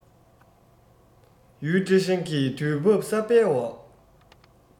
ཡུས ཀྲེང ཧྲེང གིས དུས བབ གསར པའི འོག